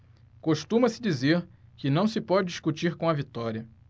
costuma-se dizer que não se pode discutir com a vitória